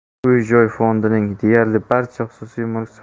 uy joy fondining deyarli barchasi xususiy